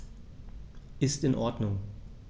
Ist in Ordnung.